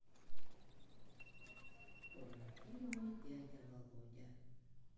порнофильмы дядя володя